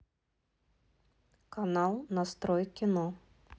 канал настрой кино